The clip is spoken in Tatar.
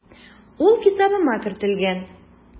Ул китабыма кертелгән.